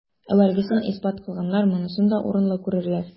Әүвәлгесен исбат кылганнар монысын да урынлы күрерләр.